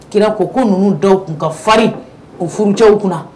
Kira ko ko nunnu dɔw tun ka farin u furucɛw kunna